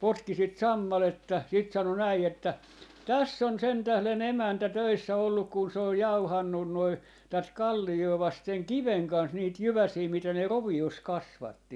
potki sitä sammalta sitten sanoi näin että tässä on sen tähden emäntä töissä ollut kun se on jauhanut noin tätä kalliota vasten kiven kanssa niitä jyväsiä mitä ne roviossa kasvatti